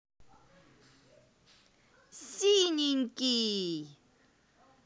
синенький